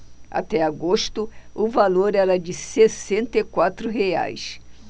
até agosto o valor era de sessenta e quatro reais